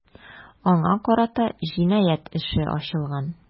Аңа карата җинаять эше ачылган.